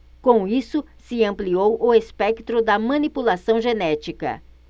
com isso se ampliou o espectro da manipulação genética